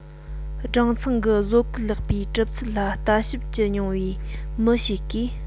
སྦྲང ཚང གི བཟོ བཀོད ལེགས པའི གྲུབ ཚུལ ལ ལྟ ཞིབ བགྱི མྱོང བའི མི ཞིག གིས